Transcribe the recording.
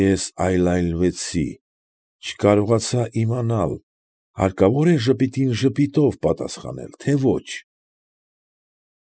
Ես այլայլվեցի, չկարողացա իմանալ հարկավո՞ր է ժպիտին ժպիտով պատասխանել, թե՞ ոչ։